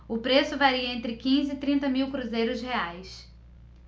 o preço varia entre quinze e trinta mil cruzeiros reais